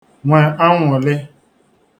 nwe anwụlị